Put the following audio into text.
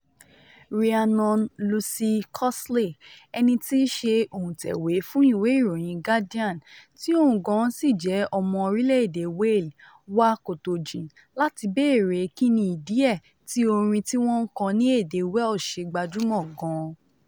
Rhiannon Lucy Cosslett, ẹni tí í ṣe ọ̀ǹtẹ̀wé fún ìwé ìròyìn Guardian tí òun gan-an sì jẹ́ ọmọ orílẹ̀ èdè Wale, wa kòtò jìn láti bèèrè kíni ìdí ẹ̀ tí orin tí wọ́n kọn ní èdè Welsh ṣe gbajúmò gan-an.